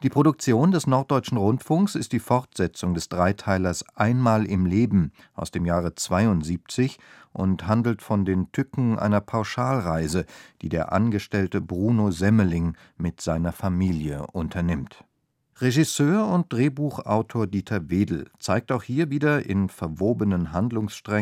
Produktion des Norddeutschen Rundfunks ist die Fortsetzung des Dreiteilers Einmal im Leben aus dem Jahre 1972 und handelt von den Tücken einer Pauschalreise, die der Angestellte Bruno Semmeling mit seiner Familie unternimmt. Regisseur und Drehbuchautor Dieter Wedel zeigt auch hier wieder in verwobenen Handlungssträngen